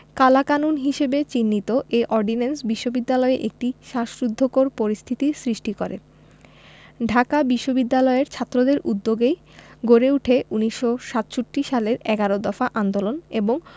কালাকানুন হিসেবে চিহ্নিত এ অর্ডিন্যান্স বিশ্ববিদ্যালয়ে একটি শ্বাসরুদ্ধকর পরিস্থিতির সৃষ্টি করে ঢাকা বিশ্ববিদ্যালয়ের ছাত্রদের উদ্যোগেই গড়ে উঠে ১৯৬৭ সালের এগারো দফা আন্দোলন এবং